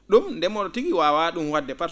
?um ndemoo?o tigi waawaa ?um wa?de par ce